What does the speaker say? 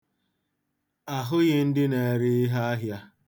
Ahụghị ndị na-ere iheahịa.